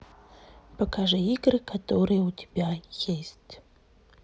покажи игры которые у тебя есть